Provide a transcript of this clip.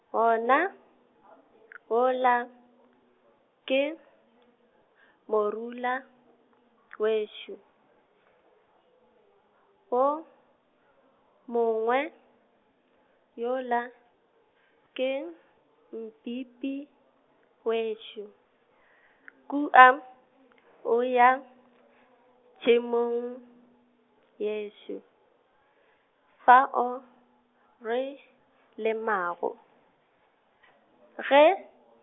wona , wola, ke, morula, wešo, wo, mongwe, wola, ke, Mpipi, wešo , kua, o ya, tšhemong, yešo, fao, re, lemago, ge.